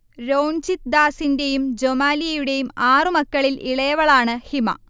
രോൺജിത് ദാസിന്റെയും ജൊമാലിയുടെയും ആറുമക്കളിൽ ഇളയവളാണ് ഹിമ